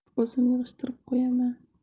o'zim yig'ishtirib qo'yaman